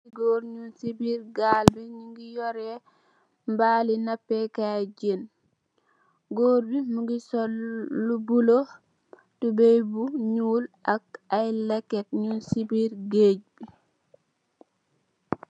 Gór mug ci biir gàl bi mugii yorèh mbal li napéé Kay jén. Gór bi mugii sol lu bula tubay bu ñuul ak ay lèkket ñgi ci biir gaaj.